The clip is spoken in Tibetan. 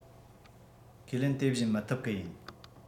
ཁས ལེན དེ བཞིན མི ཐུབ ཀི ཡིན